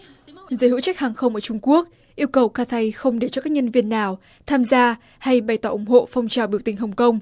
giới hữu trách hàng không ở trung quốc yêu cầu ca thay không để cho các nhân viên nào tham gia hay bày tỏ ủng hộ phong trào biểu tình hồng công